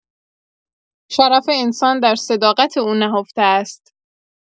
شرف انسان در صداقت او نهفته است.